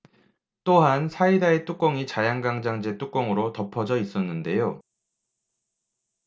또한 사이다의 뚜껑이 자양강장제 뚜껑으로 덮어져 있었는데요